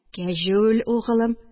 Кәҗүл, угылым